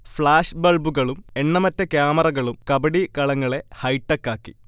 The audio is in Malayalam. ഫ്ളാഷ് ബൾബുകളും എണ്ണമറ്റ ക്യാമറകളും കബഡി കളങ്ങളെ ഹൈടെക്കാക്കി